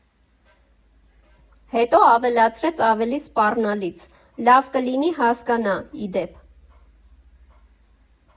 ֊ Հետո ավելացրեց ավելի սպառնալից, ֊ Լավ կլինի հասկանա, ի դեպ։